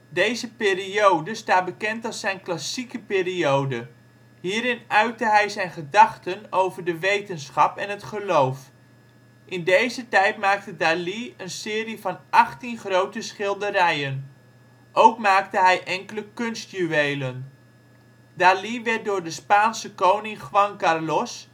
Deze periode staat bekend als zijn " klassieke " periode. Hierin uitte hij zijn gedachten over de wetenschap en het geloof. In deze tijd maakte Dalí een serie van 18 grote schilderijen. Ook maakte hij enkele kunstjuwelen. Dali werd door de Spaanse koning Juan Carlos